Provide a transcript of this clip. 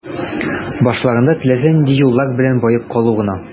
Башларында теләсә нинди юллар белән баеп калу гына.